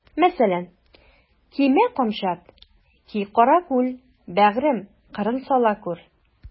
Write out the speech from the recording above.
Мәсәлән: Кимә камчат, ки каракүл, бәгърем, кырын сала күр.